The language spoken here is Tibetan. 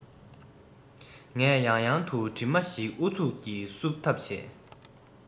ངས ཡང ཡང དུ གྲིབ མ ཞིག ཨུ ཚུགས ཀྱིས བསུབ ཐབས བྱེད